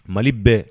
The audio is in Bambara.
Mali bɛɛ